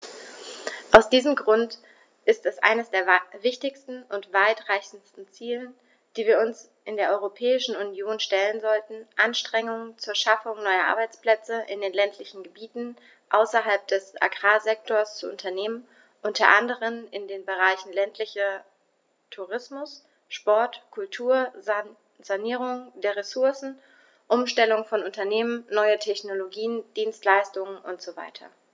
Aus diesem Grund ist es eines der wichtigsten und weitreichendsten Ziele, die wir uns in der Europäischen Union stellen sollten, Anstrengungen zur Schaffung neuer Arbeitsplätze in den ländlichen Gebieten außerhalb des Agrarsektors zu unternehmen, unter anderem in den Bereichen ländlicher Tourismus, Sport, Kultur, Sanierung der Ressourcen, Umstellung von Unternehmen, neue Technologien, Dienstleistungen usw.